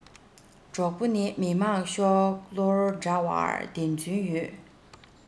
གྲོགས པོ ནི མི དམངས ཤོག ལོར འདྲ བར བདེན རྫུན ཡོད